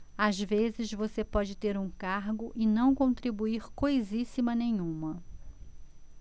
às vezes você pode ter um cargo e não contribuir coisíssima nenhuma